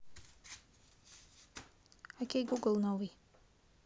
окей гугл новый